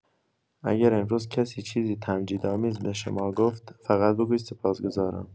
اگر امروز کسی چیزی تمجیدآمیز به شما گفت، فقط بگویید سپاسگزارم!